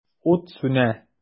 Ут сүнә.